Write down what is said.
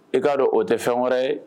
I ka dɔn o tɛ fɛn wɛrɛ ye.